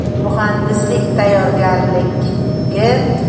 muhandislik tayyorgarligi